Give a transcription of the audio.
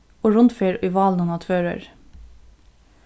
og rundferð í válinum á tvøroyri